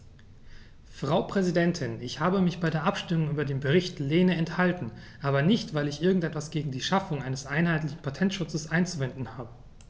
Frau Präsidentin, ich habe mich bei der Abstimmung über den Bericht Lehne enthalten, aber nicht, weil ich irgend etwas gegen die Schaffung eines einheitlichen Patentschutzes einzuwenden habe.